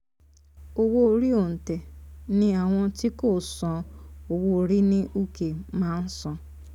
Owó orí olńtẹ̀ ní àwọn tí kò san owó orí ní Uk máa san